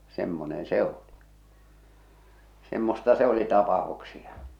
semmoinen se oli semmoista se oli tapauksia